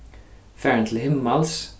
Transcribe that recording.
farin til himmals